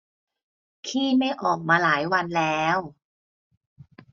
ขี้ไม่ออกมาหลายวันแล้ว